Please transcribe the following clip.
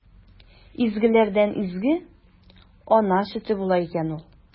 Изгеләрдән изге – ана сөте була икән ул!